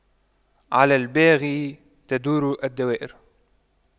على الباغي تدور الدوائر